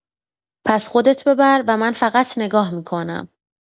پس خودت ببر و من فقط نگاه می‌کنم.